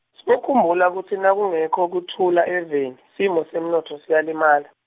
Sibokhumbula kutsi nakungekho kutfula eveni, simo semnontfo siyalimala.